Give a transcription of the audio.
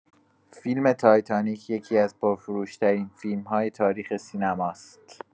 فیلم «تایتانیک» یکی‌از پرفروش‌ترین فیلم‌های تاریخ سینماست.